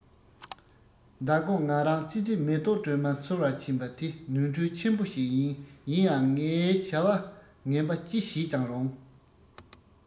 མདང དགོང ང རང ཙི ཙི མེ ཏོག སྒྲོན མ འཚོལ བར ཕྱིན པ དེ ནོར འཁྲུལ ཆེན པོ ཞིག ཡིན ཡིན ཡང ངས བྱ བ ངན པ ཅི བྱས ཀྱང རུང